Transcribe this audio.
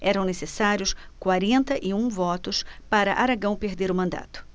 eram necessários quarenta e um votos para aragão perder o mandato